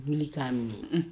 Wuli k'a minɛ